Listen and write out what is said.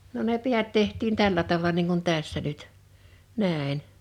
no ne päät tehtiin tällä tavalla niin kuin tässä nyt näin